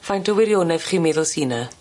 Faint o wirionedd chi'n meddwl sy 'ny?